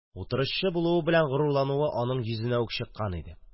Утырышчы булуы белән горурлануы аның йөзенә үк чыккан иде